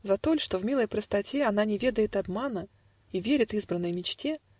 За то ль, что в милой простоте Она не ведает обмана И верит избранной мечте?